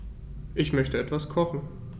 Ich möchte etwas kochen.